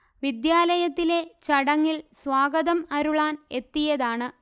വിദ്യാലയത്തിലെ ചടങ്ങിൽ സ്വാഗതം അരുളാൻഎത്തിയതാണ്